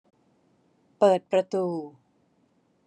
เปิดประตู